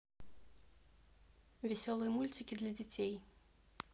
веселые мультики для детей